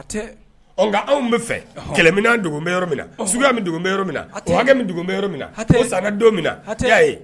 Hatɛ, ɔ n ka anw bɛ fɛ, ɔhɔ, kɛlɛminɛn dogo n bɛ yɔrɔ min na, suguya min dogo n bɛ yɔrɔ min na, o hakɛ min dogo nbɛ yɔrɔ min na, hatɛ, o sanna don min na, hatɛ, i y'a ye